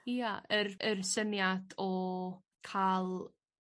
Ia yr yr syniad o ca'l